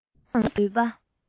ངོ བོ དང ནུས པ